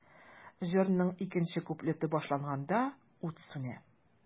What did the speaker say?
Җырның икенче куплеты башланганда, ут сүнә.